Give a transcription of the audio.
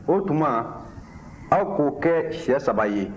o tuma aw k'o kɛ shɛ saba ye